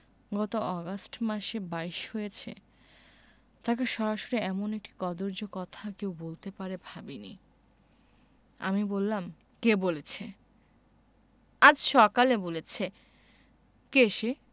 গত আগস্ট মাসে বাইশ হয়েছে তাকে সরাসরি এমন একটি কদৰ্য কথা কেউ বলতে পারে ভাবিনি আমি বললাম কে বলেছে আজ সকালে বলেছে কে সে